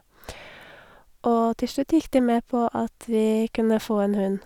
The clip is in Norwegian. Og til slutt gikk de med på at vi kunne få en hund.